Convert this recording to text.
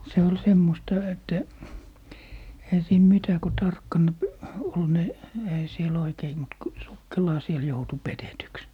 se oli semmoista että eihän siinä mitä kun tarkkana - oli ne eihän siellä oikein mutta kun sukkelaan siellä joutui petetyksi